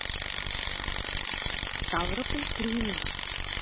ставрополь криминал